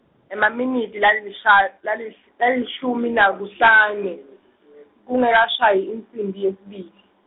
emaminitsi lalilisha- lali- lalishumi nakuhlane, kungekashayi insimbi yesibili.